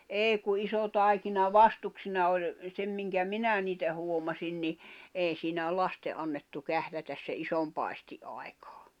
ei kun iso taikina vastuksina oli sen minkä minä niitä huomasin niin ei siinä lasten annettu kährätä sen ison paistin aikana